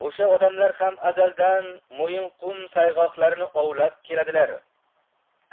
osha odamlar ham azaldan mo'yinqum sayg'oqlarini ovlab keladilar